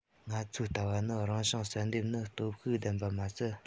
ང ཚོའི ལྟ བ ནི རང བྱུང བསལ འདེམས ནི སྟོབས ཤུགས ལྡན པ མ ཟད